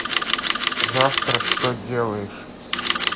завтра что делаешь